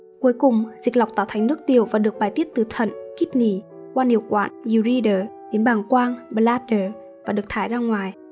cuối cùng dịch lọc tạo thành nước tiểu và được bài xuất từ thận đến bàng quang và được thải ra ngoài